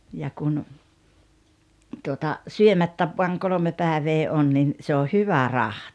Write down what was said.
ja kun tuota syömättä vain kolme päivää on niin se on hyvä rahti